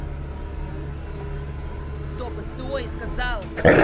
топ сто и сказал